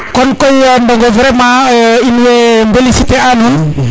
kon koy Ngogon Vraiment in wey feliciter a nuun